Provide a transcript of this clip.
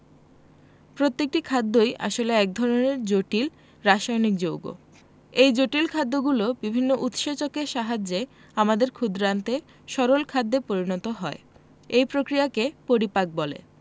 প্রত্যেকটি খাদ্যই আসলে এক ধরনের জটিল রাসায়নিক যৌগ এই জটিল খাদ্যগুলো বিভিন্ন উৎসেচকের সাহায্যে আমাদের ক্ষুদ্রান্তে সরল খাদ্যে পরিণত হয় এই প্রক্রিয়াকে পরিপাক বলে